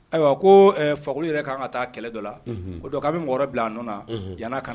Ayiwa ko ɛɛ fakoli yɛrɛ ka kan ka taa kɛlɛ dɔ la, unhun ,ko donc k'an bɛ mɔgɔ dɔ bila a nɔ la yani a ka na.